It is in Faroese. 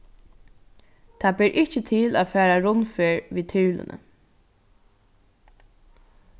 tað ber ikki til at fara rundferð við tyrluni